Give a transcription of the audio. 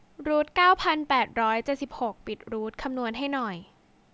รูทเก้าพันแปดร้อยเจ็ดสิบหกปิดรูทคำนวณให้หน่อย